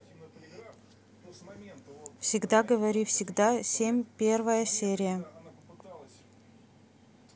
всегда говори всегда семь первая серия